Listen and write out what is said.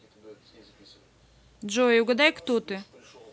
джой угадай кто ты